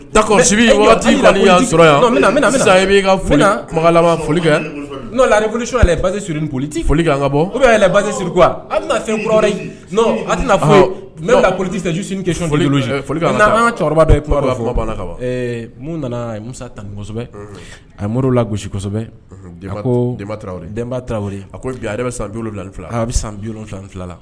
Si sɔrɔ sa ka kuma labanoli kɛo la niolisi basiurolioli ka siri a fɔ bɛ politi tɛ su kɛoli cɛkɔrɔba banna nana musa tan nisɛbɛ a mori la gosisɛbɛ den tarawele a yɛrɛ bɛ san wolonwula bɛ san wolonwula fila la